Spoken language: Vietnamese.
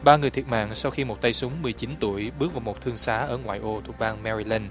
ba người thiệt mạng sau khi một tay súng mười chín tuổi bước vào một thương xá ở ngoại ô thuộc bang me ri lưn